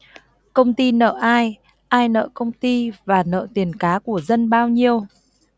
công ty nợ ai ai nợ công ty và nợ tiền cá của dân bao nhiêu